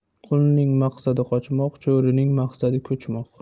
qulning maqsadi qochmoq cho'rining maqsadi ko'chmoq